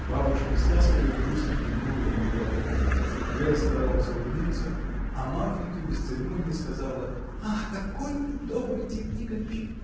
Бабушка с ласковой грустью кивнула ему головой, Вера старалась улыбнуться, а Марфинька без церемонии сказала: — Ах, какой вы добрый, Тит Никоныч!